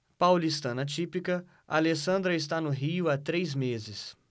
paulistana típica alessandra está no rio há três meses